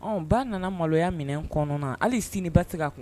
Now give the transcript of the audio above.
Ɔ ba nana maloya minɛ kɔnɔna hali sini ba se ka kun